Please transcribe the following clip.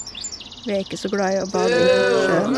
Vi er ikke så glad i å bade i sjøen.